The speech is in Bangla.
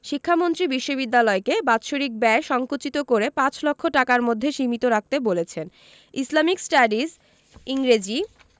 শিক্ষামন্ত্রী বিশ্ববিদ্যালয়কে বাৎসরিক ব্যয় সংকুচিত করে পাঁচ লক্ষ টাকার মধ্যে সীমিত রাখতে বলেছেন ইসলামিক স্টাডিজ ইংরেজি